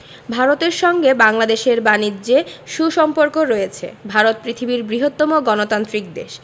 ভারতের সঙ্গে বাংলাদেশের বানিজ্যে সু সম্পর্ক রয়েছে ভারত পৃথিবীর বৃহত্তম গণতান্ত্রিক দেশ